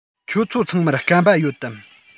ཁྱོད ཚོ ཚང མར སྐམ པ ཡོད དམ